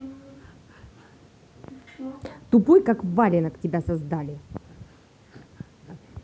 тупой как валенок тебя создали